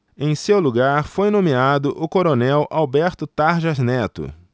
em seu lugar foi nomeado o coronel alberto tarjas neto